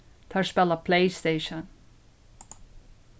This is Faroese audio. teir spæla playstation